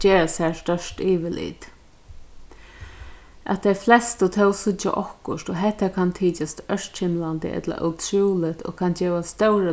gera sær stórt yvirlit at tey flestu tó síggja okkurt og hetta kann tykjast ørkymlandi ella ótrúligt og kann geva stórar